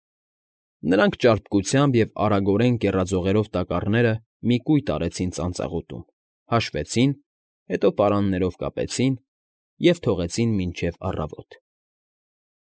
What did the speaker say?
Նրանք ճարպկությամբ և արագորեն կեռաձողերով տակառները մի կույտ արեցին ծանծաղուտում, հաշվեցին, հետո պարաններով կապեցին և թողեցին մինչև առավոտ։